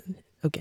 OK.